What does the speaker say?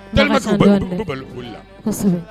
Dalenli bali bolila